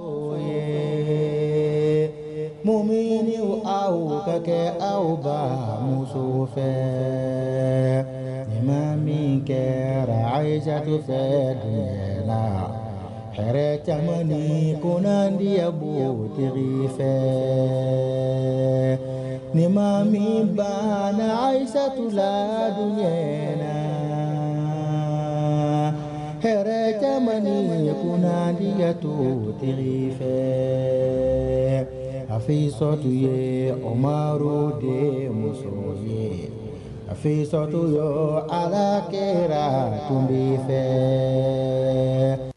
Mumini aw ka kɛ aw ka muso fɛ ne ma min kɛra yeaafe fɛ de la hɛ caman ni kundiyabuya wote fɛ ne ma min balasatu la la h caman ni maɲɛ kundi kɛto wote fɛ a fɛ sɔrɔ to ye o maro de muso ye a fɛsa to ye a kɛra tun bɛ fɛ